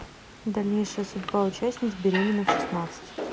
дальнейшая судьба участниц беремена в шестнадцать